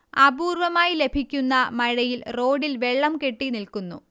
അപൂർവമായി ലഭിക്കുന്ന മഴയിൽ റോഡിൽ വെള്ളം കെട്ടിനിൽക്കുന്നു